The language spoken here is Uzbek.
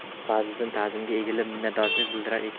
mulla fazliddin tazimga egilib minnatdorchilik bildirar